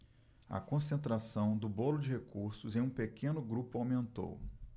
a concentração do bolo de recursos em um pequeno grupo aumentou